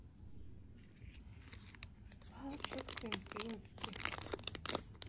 балчуг кемпински